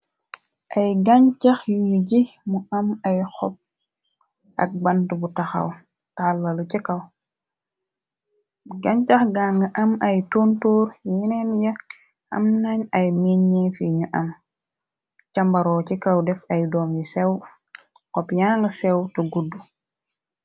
Ay gancax yune ji mu am ay xop ak bant bu taxaw tallalu ci kaw gancax gang am ay tontoor yeneen ya am neñ ay menjef yu njou am cahmbaro ci kaw def ay doom yu sew xop yanga sew te godu